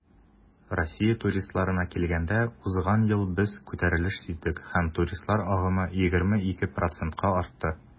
Россия туристларына килгәндә, узган ел без күтәрелеш сиздек һәм туристлар агымы 22 %-ка артты.